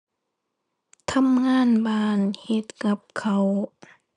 ทำงานบ้านเฮ็ดกับข้าว